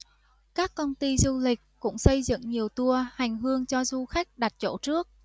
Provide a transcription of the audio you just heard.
các công ty du lịch cũng xây dựng nhiều tour hành hương cho du khách đặt chỗ trước